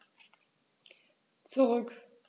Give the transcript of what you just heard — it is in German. Zurück.